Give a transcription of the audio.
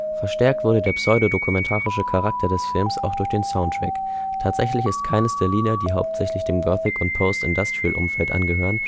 Verstärkt wurde der pseudodokumentarische Charakter des Films auch durch den Soundtrack. Tatsächlich ist keines der Lieder, die hauptsächlich dem Gothic - und Post-Industrial-Umfeld angehören